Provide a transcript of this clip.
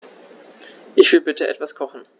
Ich will bitte etwas kochen.